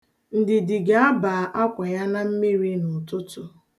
Ndidi ga-aba akwa ya na mmiri n'ụtụtụ.